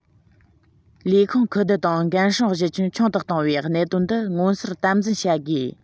ལས ཁུངས ཁུ བསྡུ དང འགན སྲུང གཞི ཁྱོན ཆུང དུ གཏོང བའི གནད དོན འདི མངོན གསལ དམ འཛིན བྱ དགོས